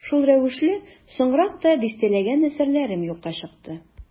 Шул рәвешле соңрак та дистәләгән әсәрләрем юкка чыкты.